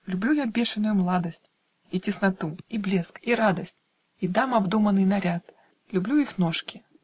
Люблю я бешеную младость, И тесноту, и блеск, и радость, И дам обдуманный наряд Люблю их ножки